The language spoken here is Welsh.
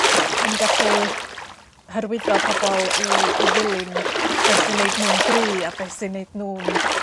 yn gallu hyrwyddo pobol i i ddilyn be' sy'n neud nw'n gry a be' sy'n neud nw'n